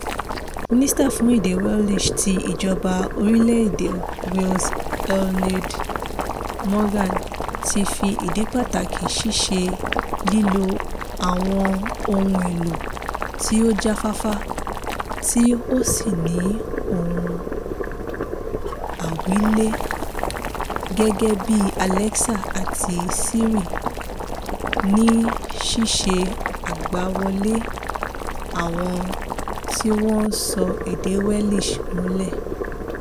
Mínísítà fún èdè Welsh ti ìjọba orílẹ̀ èdè Wales Eluned Morgan ti fi ìdí pàtàkì ṣíṣe lílo àwọn ohun èlò tí ó jáfáfá tí ó sì ní ohùn àwílé gẹ́gẹ́ bíi Alexa àti Siri ní ṣíṣe àgbàwọlé àwọn tí wọ́n ń sọ èdè Welsh múlẹ̀.